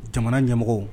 Jamana ɲɛmɔgɔ